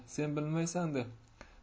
sen bilmaysanda